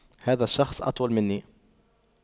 هذا الشخص أطول مني